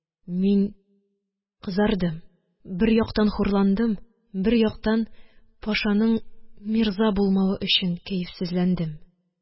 Мин кызардым. Бер яктан хурландым, бер яктан Пашаның мирза булмавы өчен кәефсезләндем.